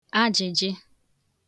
ajị̀jị